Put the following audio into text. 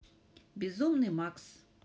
безумный макс